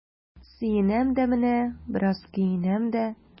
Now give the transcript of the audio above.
Сөенәм дә менә, бераз көенәм дә.